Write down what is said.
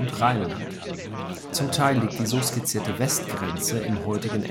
Rheinland. Zum Teil liegt die so skizzierte Westgrenze im heutigen